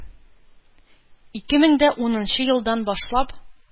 Ике мең дә унынчы елдан башлап